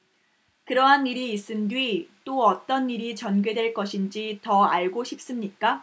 그러한 일이 있은 뒤 또 어떤 일이 전개될 것인지 더 알고 싶습니까